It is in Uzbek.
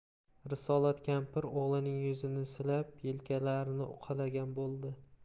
risolat kampir o'g'lining yuzini silab yelkalarini uqalagan bo'ldi